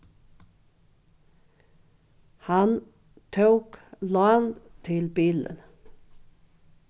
hann tók lán til bilin